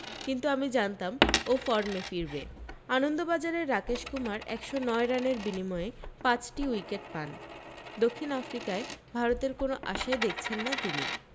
কিন্তু আমি জানতাম ও ফর্মে ফিরবে আনন্দবাজারের রাকেশ কুমার একশ নয় রানের বিনিময়ে পাঁচটি উইকেট পান দক্ষিণ আফ্রিকায় ভারতের কোনও আশাই দেখছেন না তিনি